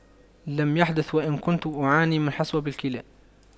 لم يحدث وأن كنت أعاني من حصوة بالكلى